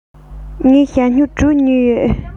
ངས ཞྭ སྨྱུག དྲུག ཉོས ཡོད